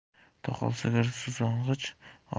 to'qol sigir suzong'ich